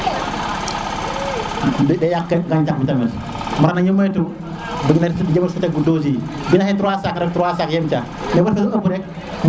dey yakk gancax bi tamit baax na ñu moytu li ñuy def si dose bi suñu ne 3 sac rek 3 sac yëp jar mais bo defe lu ëpë rek